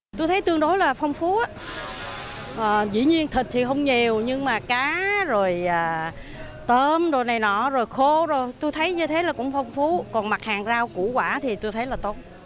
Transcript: tôi thấy tương đối là phong phú ớ ờ dĩ nhiên thịt thì không nhiều nhưng mà cá rồi à tôm rồi này nọ rồi khô rồi tôi thấy như thế là cũng phong phú còn mặt hàng rau củ quả thì tôi thấy là tốt